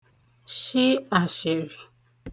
shị àshị̀rị̀